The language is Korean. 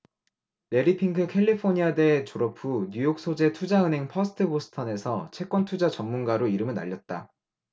래리 핑크 캘리포니아대 졸업 후 뉴욕 소재 투자은행 퍼스트 보스턴에서 채권투자 전문가로 이름을 날렸다